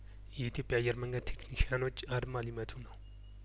የኢትዮጵያ አየር መንገድ ቴክኒሺያኖች አድማ ሊመቱ ነው